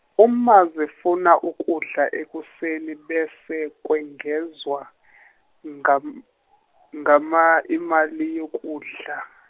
uma zifuna ukudla ekuseni bese kwengezwa ngam- ngama- imali yokudla.